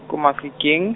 ko Mafikeng.